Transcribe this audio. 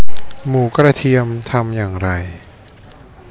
หมูกระเทียมทำอย่างไร